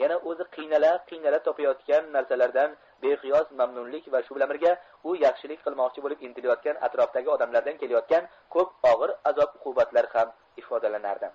yana o'zi qiynala qiynala topayotgan narsalardan beqiyos mamnunlik va shu bilan birga u yaxshilik qilmoqchi bo'lib intilayotgan atrofdagi odamlardan kelayotgan ko'p og'ir azob uqubatlar ham ifodalanardi